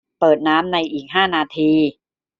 เปิดน้ำในอีกห้านาที